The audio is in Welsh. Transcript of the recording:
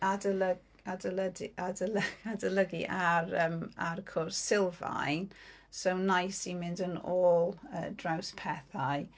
Adolyg- adolydu- adoly- adolygu ar yym ar cwrs sylfaen . So nice i mynd yn ôl draws pethau.